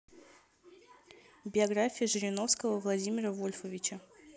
биография жириновского владимира вольфовича